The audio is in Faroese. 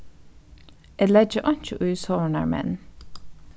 eg leggi einki í sovorðnar menn